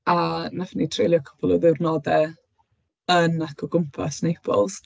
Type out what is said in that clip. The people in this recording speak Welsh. A wnaethon ni treulio cwpwl o ddiwrnodau yn ac o gwmpas Naples.